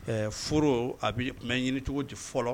Foro a bɛ tun bɛ ɲini cogo di fɔlɔ